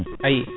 ayi